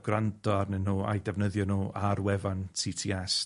grando arnyn nhw a'u defnyddio nw ar wefan Tee Tee Ess